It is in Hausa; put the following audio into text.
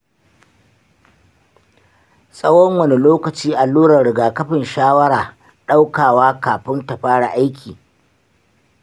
tsawon wani lokaci allurar rigakafin shawara ɗaukawa kafin ta fara aiki?